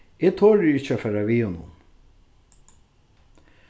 eg tori ikki at fara við honum